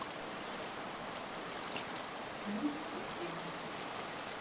лунтик тень